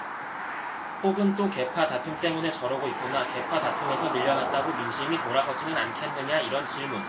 혹은 또 계파 다툼 때문에 저러고 있구나 계파다툼에서 밀려났다고 민심이 돌아서지는 않겠느냐 이런 질문